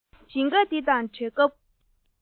ཞིང ཁ འདི དང བྲལ སྐབས